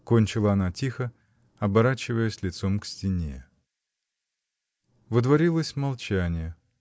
— кончила она тихо, оборачиваясь лицом к стене. Водворилось молчание.